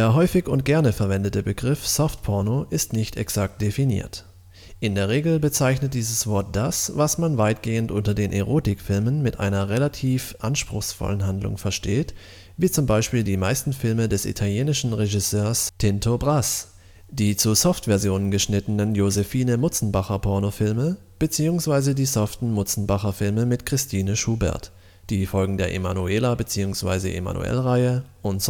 häufig und gerne verwendete Begriff „ Softporno “ist nicht exakt definiert. In der Regel bezeichnet dieses Wort das, was man weitgehend unter den Erotikfilmen mit einer relativ anspruchsvollen Handlung (z. B. die meisten Filme des italienischen Regisseurs Tinto Brass, die zu Soft-Versionen geschnittenen Josefine Mutzenbacher-Pornofilme bzw. die soften Mutzenbacher-Filme mit Christine Schuberth, die Folgen der Emanuela - bzw. Emmanuelle-Reihe usw.